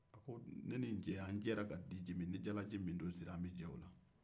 a ko ne ni n' cɛ an jɛna ka diji min ni jalaji min don sera an bɛ jɛ o la